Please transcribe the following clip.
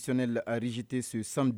Sɔnnen zete so sanu